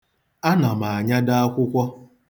Ana m anyado akwụkwọ.